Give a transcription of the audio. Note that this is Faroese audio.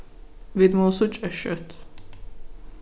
vit mugu síggjast skjótt